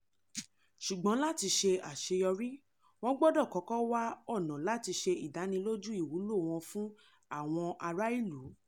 Ṣùgbọ́n, láti ṣe àṣeyọrí, wọ́n gbọdọ̀ kọ́kọ́ wá ọ̀nà láti ṣe ìdánilójú ìwúlò wọn fún àwọn ará-ìlú.